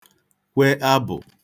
kwe abụ̀